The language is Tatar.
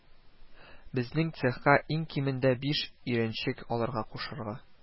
Безнең цехка иң кимендә биш өйрәнчек алырга кушарга